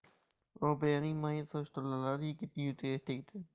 robiyaning mayin soch tolalari yigitning yuziga tegdi